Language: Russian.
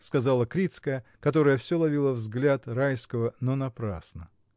— сказала Крицкая, которая всё ловила взгляд Райского, но напрасно.